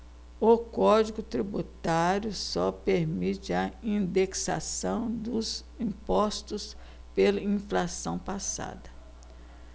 o código tributário só permite a indexação dos impostos pela inflação passada